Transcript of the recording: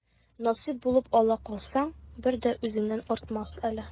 Насыйп булып ала калсаң, бер дә үзеңнән артмас әле.